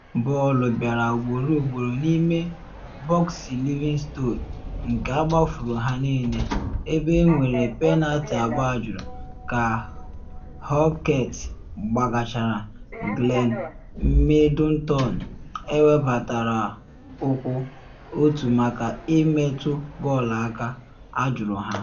Bọọlụ bịara ugboro ugboro n’ime bọksị Livingston, nke agbafuru ha niile, ebe enwere penaltị abụọ ajụrụ - ka Halkett gbachara Glenn Middleton ewebatara ụkwụ, otu maka ịmetụ bọọlụ aka - ajụrụ ha.